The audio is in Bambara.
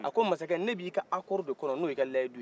a ko masakɛ ne b'i ka accord de kɔnɔ n'o y'i ka lahiduye